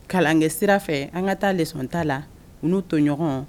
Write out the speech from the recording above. Kalan kɛ sira fɛ an ka taa le ta la n'u tɔɲɔgɔn